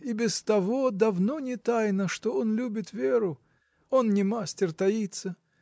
И без того давно не тайна, что он любит Веру: он не мастер таиться.